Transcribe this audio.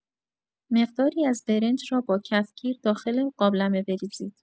مقداری از برنج را با کف گیر داخل قابلمه بریزید.